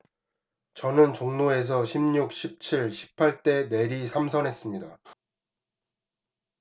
저는 종로에서 십 육 십 칠 십 팔 대 내리 삼선했습니다